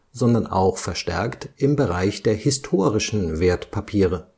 sondern auch verstärkt im Bereich der historischen Wertpapiere